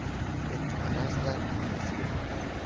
it arazlar egasi bilmas